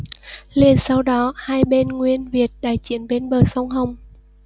liền sau đó hai bên nguyên việt đại chiến bên bờ sông hồng